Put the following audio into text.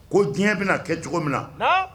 Ko diɲɛ bɛna kɛ cogo min na